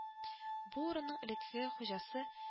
Бу урынның элекеге хуҗасы